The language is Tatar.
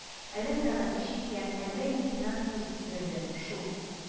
Әллә сәгате җиткән, әллә лейтенант күз тигерде, шул